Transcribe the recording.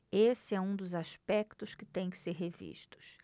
esse é um dos aspectos que têm que ser revistos